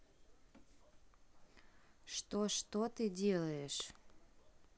что что ты делаешь